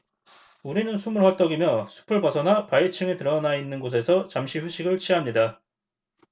우리는 숨을 헐떡이며 숲을 벗어나 바위층이 드러나 있는 곳에서 잠시 휴식을 취합니다